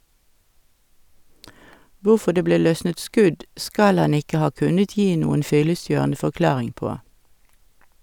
Hvorfor det ble løsnet skudd skal han ikke ha kunnet gi noen fyllestgjørende forklaring på.